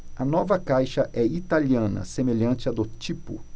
a nova caixa é italiana semelhante à do tipo